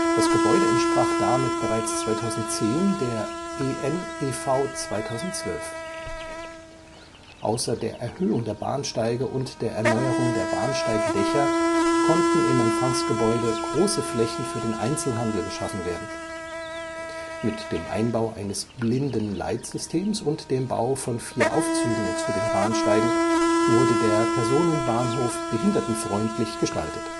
Das Gebäude entsprach damit bereits 2010 der EnEV 2012. Außer der Erhöhung der Bahnsteige und der Erneuerung der Bahnsteigdächer konnten im Empfangsgebäude große Flächen für den Einzelhandel geschaffen werden. Mit dem Einbau eines Blindenleitsystems und dem Bau von vier Aufzügen zu den Bahnsteigen wurde der Personenbahnhof behindertenfreundlich gestaltet